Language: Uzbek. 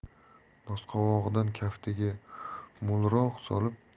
nosqovog'idan kaftiga mo'lroq